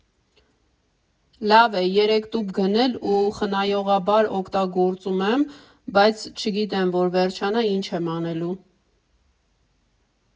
Լավ է, երեք տուփ գնել ու խնայողաբար օգտագործում եմ, բայց չգիտեմ, որ վերջանա, ինչ եմ անելու։